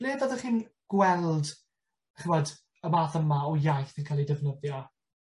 Ble fyddech chi'n gweld ch'mod y math yma o iaith yn ca'l 'i defnyddio?